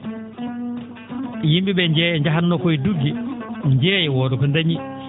yim?e ?e jeeya njahatnoo koye dugge jeeya wooda ko dañi